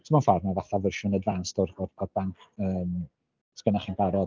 so mewn ffordd mae fatha fersiwn advanced o'r o'r o'r banc yym sy gennych chi'n barod.